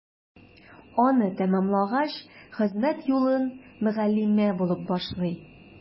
Аны тәмамлагач, хезмәт юлын мөгаллимә булып башлый.